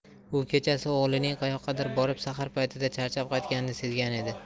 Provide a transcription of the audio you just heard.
u kechasi o'g'lining qayoqqadir borib sahar paytida charchab qaytganini sezgan edi